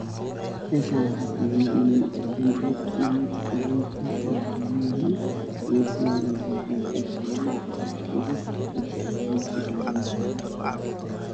Meeshaan waxaa fadhiyaan niman saddexba ah waxay noqotaan dharka ciidanka way na fadhiya meesha